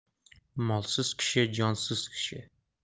molsiz kishi jonsiz kishi